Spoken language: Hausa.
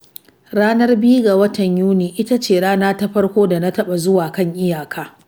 Ranar 2 ga watan Yunin 2011 ita ce rana ta farko da na taɓa zuwa kan iyaka.